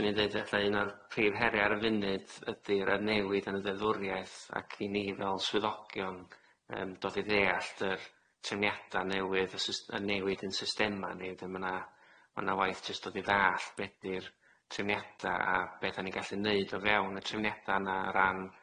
swn i'n deud ella un o'r prif heria ar y funud ydi'r y newid yn y ddeddfwriaeth ac i ni fel swyddogion yym dod i ddeallt yr trefniada newydd y sys- y newid yn systema ni ydyn ma' na ma' na waith jyst dod i ddallt be' di'r trefniada a be' da ni gallu neud o fewn y trefniada yna o ran